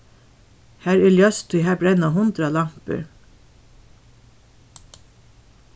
har er ljóst tí har brenna hundrað lampur